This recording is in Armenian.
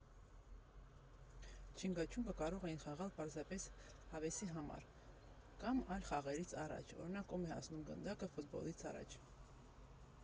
Չինգաչունգը կարող էին խաղալ պարզապես հավեսի համար կամ այլ խաղերից առաջ, օրինակ՝ ում է հասնում գնդակը ֆուտբոլից առաջ։